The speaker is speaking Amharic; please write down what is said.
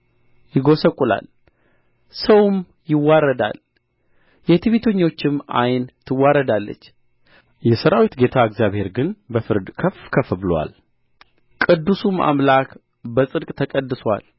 ይጐሰቍላል ሰውም ይዋረዳል የትዕቢተኞችም ዓይን ትዋረዳለች የሠራዊት ጌታ እግዚአብሔር ግን በፍርድ ከፍ ከፍ ብሎአል ቅዱሱም አምላክ በጽድቅ ተቀድሶአል